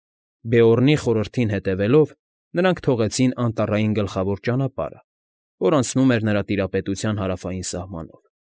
Բեորնի խորհրդին հետևելով՝ նրանք թողեցին անտառային գլխավոր ճանապարհը, որ անցնում էր նրա տիրապետության հարավային սահմանով։